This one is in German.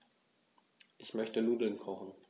Ich möchte Nudeln kochen.